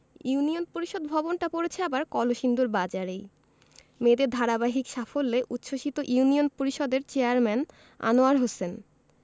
union পরিষদ ভবনটা পড়েছে আবার কলসিন্দুর বাজারেই মেয়েদের ধারাবাহিক সাফল্যে উচ্ছ্বসিত ইউনিয়ন পরিষদের চেয়ারম্যান আনোয়ার হোসেন